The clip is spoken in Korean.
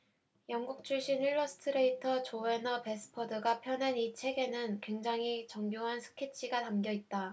영국 출신 일러스트레이터 조해너 배스퍼드가 펴낸 이 책에는 굉장히 정교한 스케치가 담겨 있다